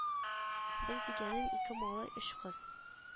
Без дигәнем ике малай өч кыз